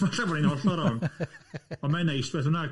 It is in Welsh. Falle bod ni'n hollol rong, ond mae'n neis beth bynnag.